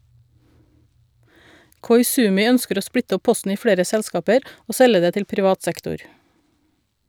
Koizumi ønsker å splitte opp posten i flere selskaper og selge det til privat sektor.